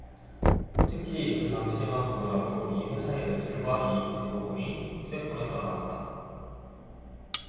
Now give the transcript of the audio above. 특히 그 당시에만 보더라도 이 회사의 매출과 이익 대부분이 휴대폰에서 나왔다